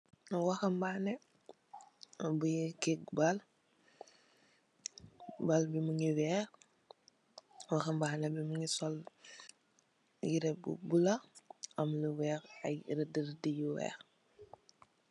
Wahambaané bi kick ball, ball bi mungi weeh. Wahambaané bi mungi sol yiré bu bulo am lu weeh ay rëd, rëd yu weeh.